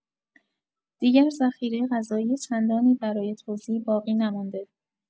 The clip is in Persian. دیگر ذخیره غذایی چندانی برای توزیع باقی نمانده